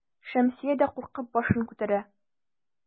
Шәмсия дә куркып башын күтәрә.